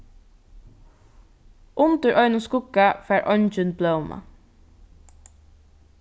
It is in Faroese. undir einum skugga fær eingin blómað